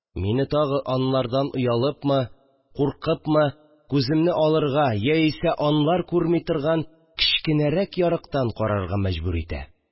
Мине, тагы алардан оялыпмы, куркыпмы, күземне алырга яисә алар күрми торган кечкенәрәк ярыктан карарга мәҗбүр итә